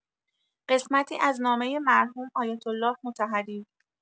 قسمتی از نامه مرحوم آیه‌الله مطهری